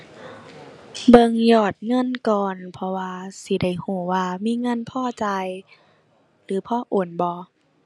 เบิ่งยอดเงินก่อน เพราะว่าสิได้รู้ว่ามีเงินพอจ่ายหรือพอโอนบ่